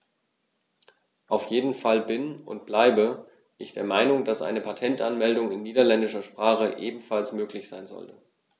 Auf jeden Fall bin - und bleibe - ich der Meinung, dass eine Patentanmeldung in niederländischer Sprache ebenfalls möglich sein sollte.